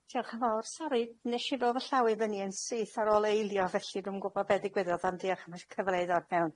Diolch yn fawr. Sori nesh i ro' y llaw i fyny yn syth ar ôl eilio, felly dwi'm gwbo be' ddigwyddodd, ond dioch am y cyfle i ddod mewn.